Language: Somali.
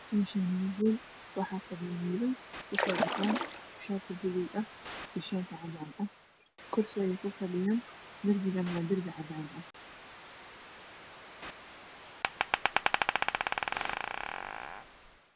Meeshaani waa hool waxaa fadhiyo wiilal waxay wataan shaati buluug ah iyo shaati cadaan ah kursi ayay kufadhiyaan darbiguna Waa cadaan.